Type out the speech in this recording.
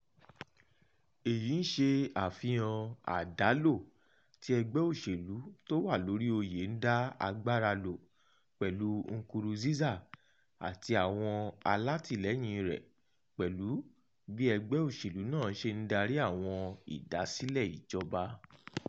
Èyí ń ṣe àfihàn àdálò tí ẹgbẹ́ òṣèlú tó wà lórí oyè ń dá agbára lò pẹ̀lú Nkurunziza àti àwọn alátìlẹyìn-in rẹ̀ pẹ̀lú bí ẹgbẹ́ òṣèlú náà ṣe ń darí àwọn ìdásílẹ̀ ìjọba.